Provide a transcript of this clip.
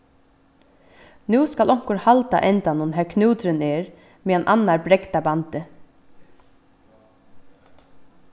nú skal onkur halda endanum har knúturin er meðan annar bregdar bandið